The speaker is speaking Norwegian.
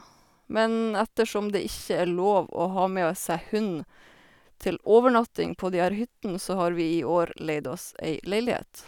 Men ettersom det ikke er lov til å ha med o seg hund til overnatting på de her hyttene, så har vi i år leid oss ei leilighet.